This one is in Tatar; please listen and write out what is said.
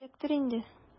Эләктер инде!